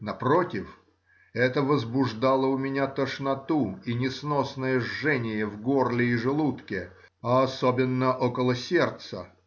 напротив, это возбуждало у меня тошноту и несносное жжение в горле и желудке, а особенно около сердца